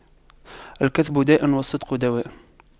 الكذب داء والصدق دواء